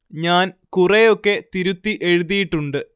ഞാൻ കുറെ ഒക്കെ തിരുത്തി എഴുതിയിട്ടുണ്ട്